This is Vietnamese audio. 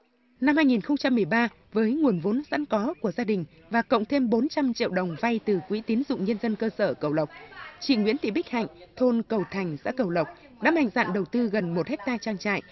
năm hai nghìn không trăm mười ba với nguồn vốn sẵn có của gia đình và cộng thêm bốn trăm triệu đồng vay từ quỹ tín dụng nhân dân cơ sở cầu lộc chị nguyễn thị bích hạnh thôn cầu thành xã cầu lộc đã mạnh dạn đầu tư gần một héc ta trang trại